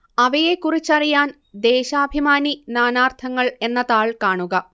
അവയെക്കുറിച്ചറിയാൻ ദേശാഭിമാനി നാനാർത്ഥങ്ങൾ എന്ന താൾ കാണുക